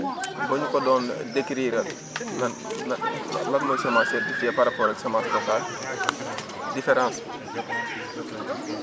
boo ñu ko doon décrire lan lan mooy semence certifiée par rapport ak semence locale différence bi